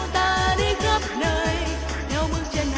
ta đi khắp nơi theo